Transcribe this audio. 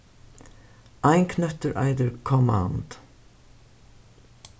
ein knøttur eitur command